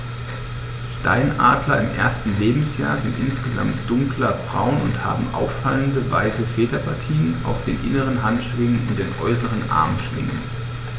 Steinadler im ersten Lebensjahr sind insgesamt dunkler braun und haben auffallende, weiße Federpartien auf den inneren Handschwingen und den äußeren Armschwingen.